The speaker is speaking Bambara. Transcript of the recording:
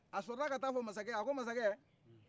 a sɔrɔla ka t'a fɔ massakɛ ye a ko massakɛ